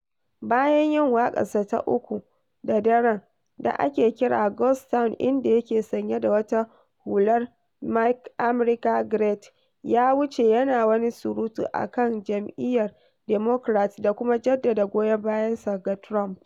Bayan yin waƙarsa ta uku da daren, da ake kira Ghost Town inda yake sanye da wata hular Make America Great, ya wuce yana wani surutu a kan 'yan jam'iyyar Democrat da kuma jaddada goyon bayansa ga Trump.